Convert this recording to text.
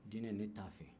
dinɛ in ne t'a fɛ